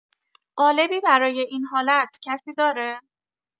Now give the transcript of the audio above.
قالبی برای این حالت کسی داره؟